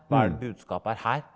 hva er det budskapet er her?